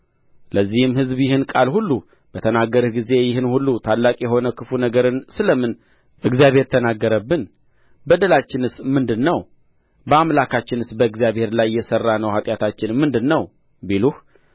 ለዚህም ሕዝብ ይህን ቃል ሁሉ በተናገርህ ጊዜ ይህን ሁሉ ታላቅ የሆነ ክፉ ነገርን ስለ ምን እግዚአብሔር ተናገረብን በደላችንስ ምንድር ነው በአምላካችንስ በእግዚአብሔር ላይ የሠራነው ኃጢአታችን ምንድር ነው ቢሉህ